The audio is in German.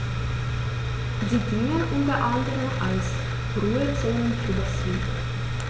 Sie dienen unter anderem als Ruhezonen für das Wild.